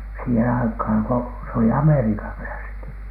siihen aikaan kun se oli amerikanläski